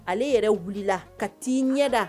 Ale yɛrɛ wulila la ka t'i ɲɛda